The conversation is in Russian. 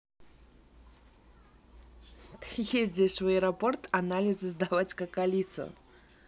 ты ездишь в аэропорт анализы сдавать как алиса